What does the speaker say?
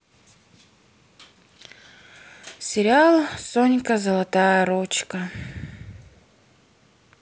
сериал сонька золотая ручка